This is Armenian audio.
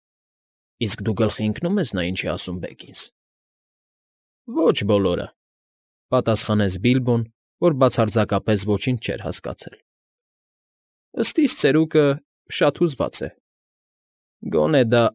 Իսկ դու գլխի ընկնո՞ւմ ես նա ինչ է ասում, Բեգիսն… ֊ Ո֊ոչ բոլորը,֊ պատասխանեց Բիլբոն, որ բացարձակապես ոչինչ չէր հասկացել։֊ Ըստ իս ծերուկը շատ հուզված է։ ֊ Գոնե դա։